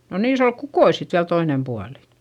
no niissä oli kukkoja sitten vielä toinen puoli